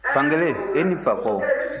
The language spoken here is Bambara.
fankelen e ni fakɔ